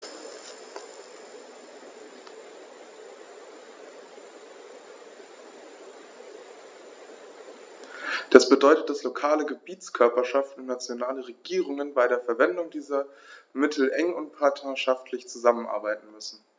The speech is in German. Das bedeutet, dass lokale Gebietskörperschaften und nationale Regierungen bei der Verwendung dieser Mittel eng und partnerschaftlich zusammenarbeiten müssen.